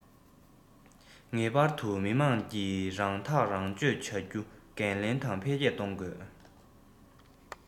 ངེས པར དུ མི དམངས ཀྱིས རང ཐག རང གཅོད བྱ རྒྱུ འགན ལེན དང འཕེལ རྒྱས གཏོང དགོས